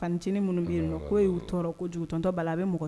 Faninin minnu'' y'o tɔɔrɔ jugutɔ' la